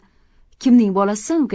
kimning bolasisan